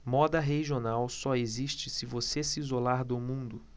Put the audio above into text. moda regional só existe se você se isolar do mundo